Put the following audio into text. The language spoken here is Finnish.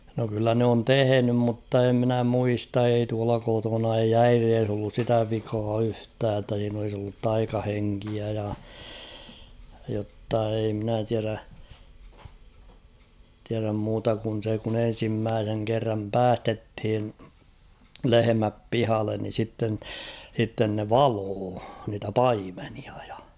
no kyllä ne on tehnyt mutta en minä muista ei tuolla kotona ei äidissä ollut sitä vikaa yhtään että siinä olisi ollut taikahenkeä ja jotta ei minä tiedä tiedä muuta kuin se kun ensimmäisen kerran päästettiin lehmät pihalle niin sitten sitten ne valoi niitä paimenia ja